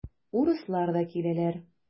Урыслар да киләләр.